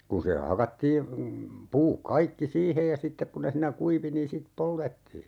kun se hakattiin puut kaikki siihen ja sitten kun ne siinä kuivui niin sitten poltettiin